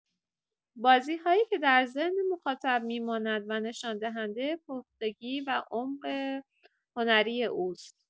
بازی‌هایی که در ذهن مخاطب می‌ماند و نشان‌دهنده پختگی و عمق هنری اوست.